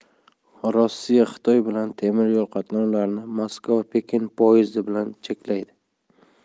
rossiya xitoy bilan temir yo'l qatnovlarini moskva pekin poyezdi bilan cheklaydi